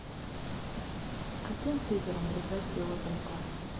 каким фрезером врезать тело замка